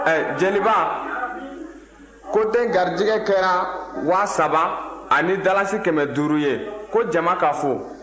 ɛ jeliba ko den garijɛgɛ kɛra waa saba ani dalasi kɛmɛ duuru ye ko jama ka fo